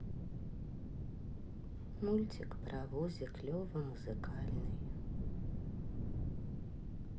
мультик паровозик лева музыкальный